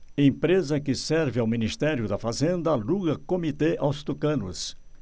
empresa que serve ao ministério da fazenda aluga comitê aos tucanos